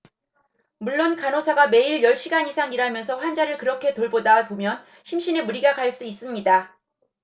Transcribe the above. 물론 간호사가 매일 열 시간 이상 일하면서 환자를 그렇게 돌보다 보면 심신에 무리가 갈 수 있습니다